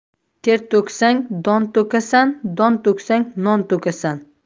ter to'ksang don to'kasan don to'ksang non to'kasan